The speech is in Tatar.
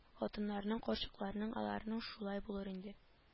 Хатыннарның карчыкларның аларның шулай булыр инде